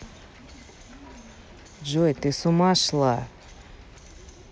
джой ты с ума шла